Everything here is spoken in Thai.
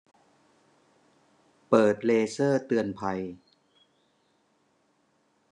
เปิดเลเซอร์เตือนภัย